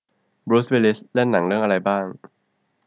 บรูซวิลลิสเล่นหนังเรื่องอะไรบ้าง